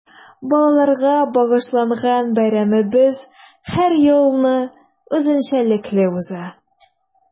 Балаларга багышланган бәйрәмебез һәр елны үзенчәлекле уза.